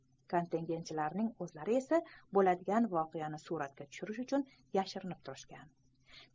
kontingentchilar ning o'zlari esa bo'ladigan voqeani suratga tushirish uchun yashirinib turishgan